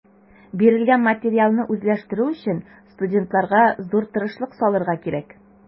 Бирелгән материалны үзләштерү өчен студентларга зур тырышлык салырга кирәк.